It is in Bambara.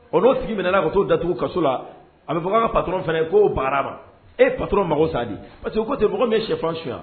Ɔ n'o tigi minɛna ka t'o datugu kaso la, a bɛ fɔ k'a ka patron fana k'o bagar'a ma, e patron mago sa de parce que u ko ten mɔgɔ min ye sɛfan sonya